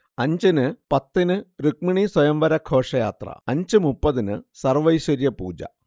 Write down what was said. അഞ്ചിന് പത്തിന് രുക്മിണീസ്വയംവര ഘോഷയാത്ര അഞ്ച് മുപ്പതിന് സർവൈശ്വര്യപൂജ